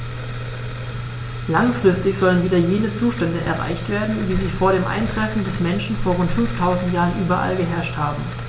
Langfristig sollen wieder jene Zustände erreicht werden, wie sie vor dem Eintreffen des Menschen vor rund 5000 Jahren überall geherrscht haben.